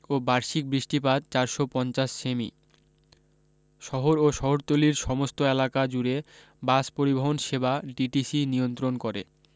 ও বার্ষিক বৃষ্টিপাত চারশো পঞ্চাশ সেমি শহর ও শহরতলির সমস্ত এলাকা জুড়ে বাস পরিবহন সেবা ডিটিসি নিয়ন্ত্রণ করে